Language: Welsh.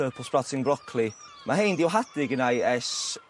purple sprouting brocoli ma' hein 'di'w hadu gynnai ers